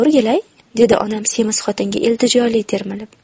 o'rgilay dedi onam semiz xotinga iltijoli termilib